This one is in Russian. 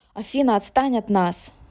афина отстань от нас